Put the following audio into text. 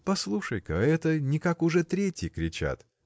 По-- слушай-ка, это, никак, уже третьи кричат.